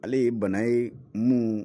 Ale ye bana ye mun